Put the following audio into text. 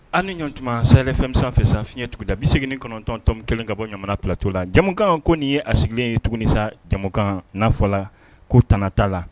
An ni yantuma - Sahel FM sanfɛ sa, fiɲɛ tuguda 89 tɔmi 1, ka bɔ Ɲamana plateau la. Jɛmukan, ko nin ye a sigilen ye tuguni sa, Jɛmukan n'a fɔ la ko:tana t'a la.